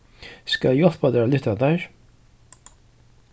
skal eg hjálpa tær at lyfta teir